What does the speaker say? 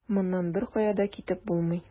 Моннан беркая да китеп булмый.